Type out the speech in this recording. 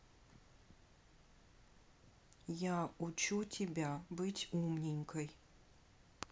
я учу тебя быть умненькой